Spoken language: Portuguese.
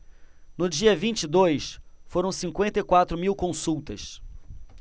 no dia vinte e dois foram cinquenta e quatro mil consultas